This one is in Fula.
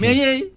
mais yeey